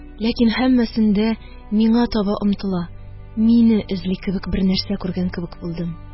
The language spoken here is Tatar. Ләкин һәммәсендә миңа таба омтыла, мине эзли кебек бернәрсә күргән кебек булдым.